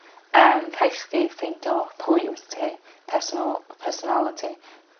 yym rhai' chdi ffeindio pwy wyt ti persono- personality.